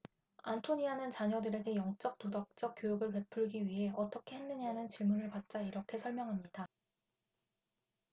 안토니아는 자녀들에게 영적 도덕적 교육을 베풀기 위해 어떻게 했느냐는 질문을 받자 이렇게 설명합니다